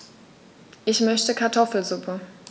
Ich möchte Kartoffelsuppe.